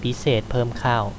พิเศษเพิ่มข้าว